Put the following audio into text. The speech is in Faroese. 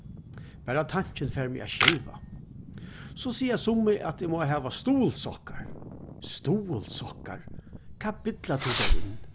bara tankin fær meg at skelva so siga summi at eg má hava stuðulssokkar stuðulssokkar hvat billar tú tær inn